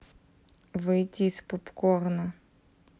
выйти из попкорна